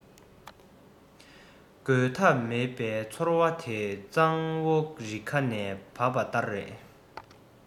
རྒོལ ཐབས མེད པའི ཚོར བ དེ གཙང བོ རི ཁ ནས འབབ པ ལྟར རེད